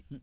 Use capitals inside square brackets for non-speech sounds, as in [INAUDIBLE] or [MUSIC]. [HESITATION]